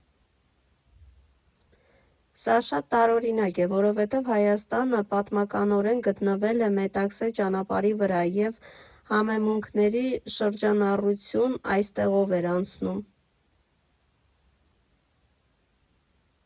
Սա շատ տարօրինակ է, որովհետև Հայաստանը պատմականորեն գտնվել է Մետաքսե ճանապարհի վրա, և համեմունքների շրջանառություն այստեղով էր անցնում։